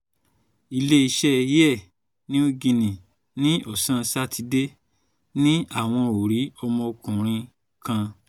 Ilé-iṣẹ́ Air Niugini ní ọ̀sán Sátidé ní àwọn ò rí ọmọkùnrin kan